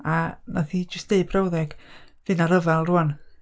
A wnaeth hi jyst deud brawddeg, "Fydd 'na ryfel rŵan."